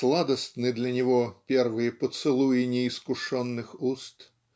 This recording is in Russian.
Сладостны для него первые поцелуи неискушенных уст